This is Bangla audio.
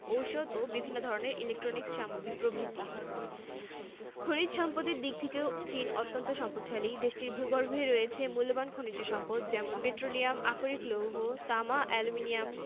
শিল্প ও বানিজ্য ক্ষেত্রে চীনের সাথে আমাদের সহযোগিতার সম্পর্কও রয়েছে